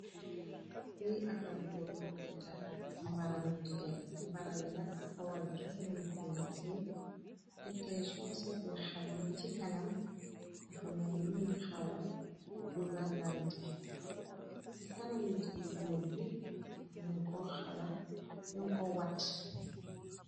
Bi aka góor bu ndita mbaram yi dijam mbaram yina kawari cose nuñ ko lette detay soo seete xaj bi ci kanam dafa mennu lu xawa duga lante ci kanam i jëgi góor bi ñun ko wàtt